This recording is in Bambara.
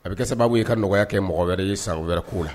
A bɛ kɛ sababu i ka nɔgɔya kɛ mɔgɔ wɛrɛ ye sa u wɛrɛ k' la